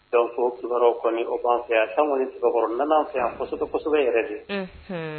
Don kibaw kɔni o b'an fɛ yan san kɔni kibakɔrɔ n fɛ yansɔ kosɛbɛ yɛrɛ de